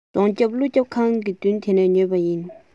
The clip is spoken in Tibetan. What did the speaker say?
རྫོང རྒྱབ ཀླུ ཁང གི མདུན དེ ནས ཉོས པ ཡིན